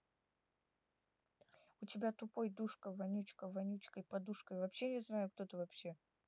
у тебя тупой душка вонючка вонючкой подушкой вообще не знаю кто ты вообще